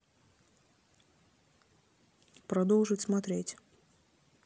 продолжить смотреть